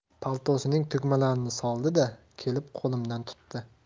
paltosining tugmalarini soldi da kelib qo'limni tutdi